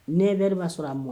9 heures b'a sɔrɔ a mɔ